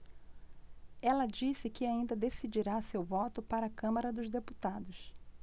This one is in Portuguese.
ela disse que ainda decidirá seu voto para a câmara dos deputados